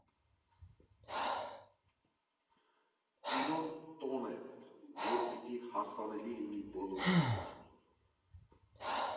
Կինոն տոն է, որ պիտի հասանելի լինի բոլորի համար։